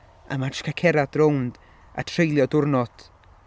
A mae jyst cael cerdded rownd a treulio diwrnod...